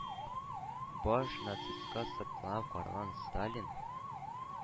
Баш нацистка сокланып караган Сталин,